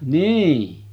niin